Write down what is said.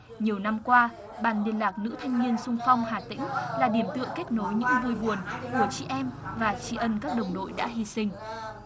nhiều năm qua ban liên lạc nữ thanh niên xung phong hà tĩnh là điểm tựa kết nối những vui buồn của chị em và tri ân các đồng đội đã hy sinh